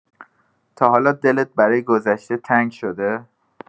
تا حالا دلت برای گذشته تنگ شده؟